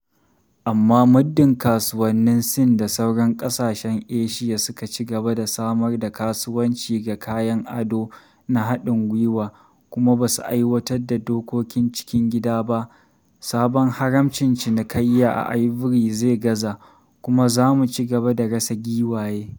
Amma muddin kasuwannin Sin da sauran kasashen Asiya su kaci gaba da samar da kasuwanci ga kayan ado na hadin gwiwa kuma ba su aiwatar da dokokin cikin gida ba, sabon haramcin cinikayya a Ivory zai gaza, kuma za mu ci gaba da rasa giwaye.